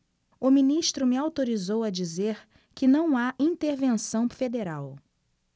o ministro me autorizou a dizer que não há intervenção federal